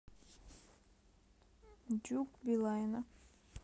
duke билайна